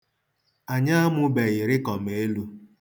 Anyị amụgbeghị rịkọmelu.